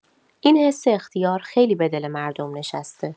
این حس اختیار، خیلی به دل مردم نشسته.